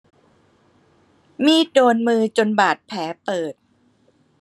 มีดโดนมือจนบาดแผลเปิด